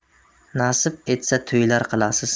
nasib etsa to'ylar qilasiz